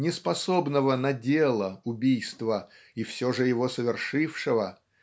неспособного на дело-убийство и все же его совершившего